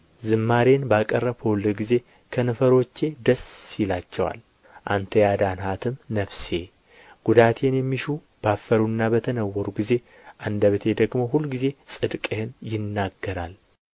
ዝማሬን ባቀርብሁልህ ጊዜ ከንፈሮቼ ደስ ይላቸዋል አንተ ያዳንሃትም ነፍሴ ጕዳቴን የሚሹ ባፈሩና በተነወሩ ጊዜ አንደበቴ ደግሞ ሁልጊዜ ጽድቅህን ይናገራል